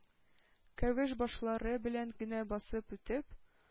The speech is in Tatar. Кәвеш башлары белән генә басып үтеп,